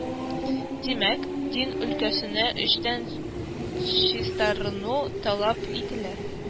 Димәк, дин өлкәсенә эчтән чистарыну таләп ителә